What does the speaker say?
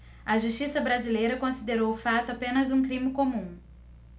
a justiça brasileira considerou o fato apenas um crime comum